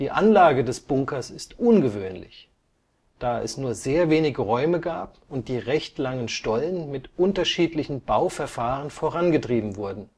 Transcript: Anlage des Bunkers ist ungewöhnlich, da es nur sehr wenig Räume gab und die recht langen Stollen mit unterschiedlichen Bauverfahren vorangetrieben wurden